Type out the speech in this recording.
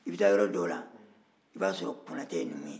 i bɛ taa yɔrɔ dɔw la i b'a sɔrɔ konatɛ ye numu ye